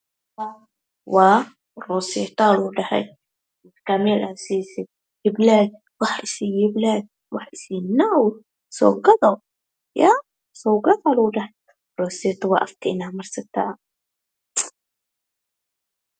Waa rooseeto aa lagu dhahay heblayo wax isii heblaayo waisting no soogado roseto waye